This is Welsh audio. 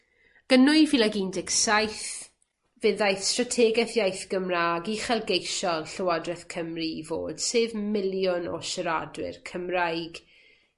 Ag yn nwy fil ag un deg saith fe ddaeth strategeth iaith Gymra'g uchelgeisiol Llywodreth Cymru i fod, sef miliwn o siaradwyr Cymraeg